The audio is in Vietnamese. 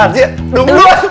phản diện đúng luôn